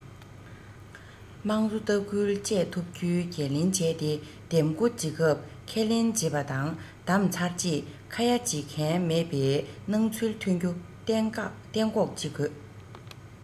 དམངས གཙོ ལྟ སྐུལ བཅས ཐུབ རྒྱུའི འགན ལེན བྱས ཏེ འདེམས བསྐོ བྱེད སྐབས ཁས ལེན བྱེད པ དང བདམས ཚར རྗེས ཁ ཡ བྱེད མཁན མེད པའི སྣང ཚུལ ཐོན རྒྱུ གཏན འགོག བྱེད དགོས